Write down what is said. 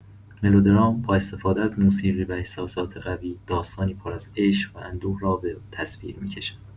ملودرام، با استفاده از موسیقی و احساسات قوی، داستانی پر از عشق و اندوه را به تصویر می‌کشد.